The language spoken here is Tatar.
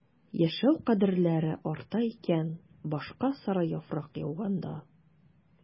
Яшәү кадерләре арта икән башка сары яфрак яуганда...